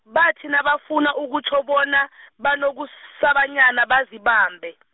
bathi nabafuna ukutjho bona , banokusabanyana bazibambe .